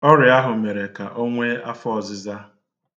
Ọrịa ahụ mere ka o nwee afọ ọzịza